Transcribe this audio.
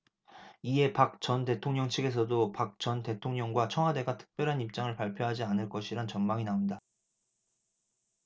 이에 박 전 대통령 측에서도 박 전 대통령과 청와대가 특별한 입장을 발표하지 않을 것이란 전망이 나온다